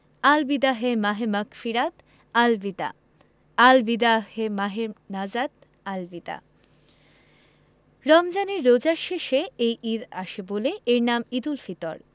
আল বিদা হে মাহে মাগফিরাত আল বিদা আল বিদা ওহঃ মাহে নাজাত আল বিদা রমজানের রোজার শেষে এই ঈদ আসে বলে এর নাম ঈদুল ফিতর